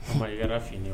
Kuma i f'i ye